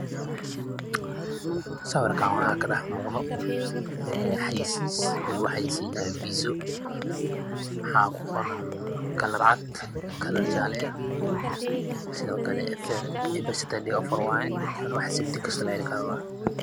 Sawirkaan waxa ka dhex muuqdo meel xayeysiis oo lagu xayeysiinaya pizzo waxa ku qoran karar cad, karar jaallo eh sidoo kale ef-feer efsaadi san ef waaye